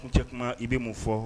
Cɛ kuma i bɛ mun fɔ